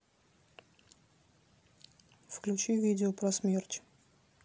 включи видео про смерч